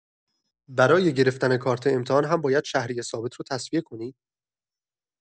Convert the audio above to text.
برای گرفتن کارت امتحان هم باید شهریه ثابت رو تسویه کنی؟